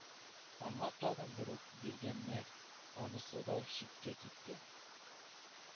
Аңа тагын бер ук биргәннәр, анысы да читкә киткән.